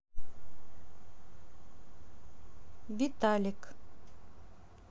виталик